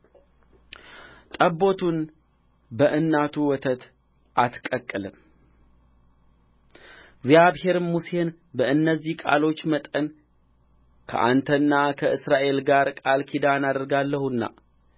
ጠቦቱን በእናቱ ወተት አትቀቅልም እግዚአብሔርም ሙሴን በእነዚህ ቃሎች መጠን ከአንተና ከእስራኤል ጋር ቃል ኪዳን አድርጌአለሁና